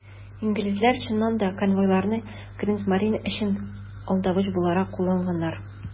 Инглизләр, чыннан да, конвойларны Кригсмарине өчен алдавыч буларак кулланганнар.